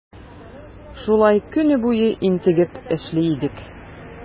Шулай көне буе интегеп эшли идек.